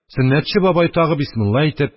Сөннәтче бабай, тагы бисмилла әйтеп,